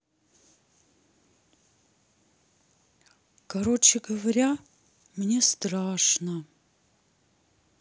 короче говоря мне страшно